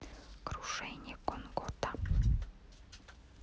крушение конкорда